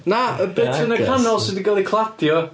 Na, y bit yn y canol sy 'di cael ei cladio.